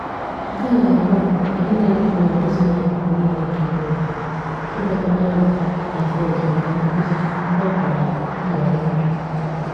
Nke a ga-abụ ohere maka ndị na-ede blọọgụ si n'akụkụ niile nke Morocco ịbịakọta ọnụ na Fez maka nkụzi, ogbakọ, na mgborindụ.